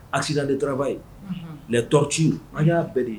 accident de travail, les tortures i an y'a bɛɛ de ye